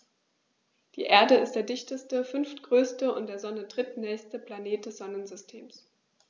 Die Erde ist der dichteste, fünftgrößte und der Sonne drittnächste Planet des Sonnensystems.